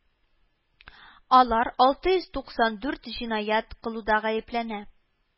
Алар алты йөз туксан дүрт җинаять кылуда гаепләнә